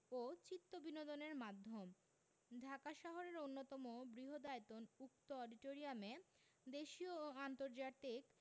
ও চিত্তবিনোদনের মাধ্যম ঢাকা শহরের অন্যতম বৃহদায়তন উক্ত অডিটোরিয়ামে দেশীয় ও আন্তর্জাতিক